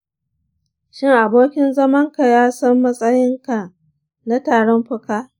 shin abokin zamanka ya san matsayin ka na tarin fuka?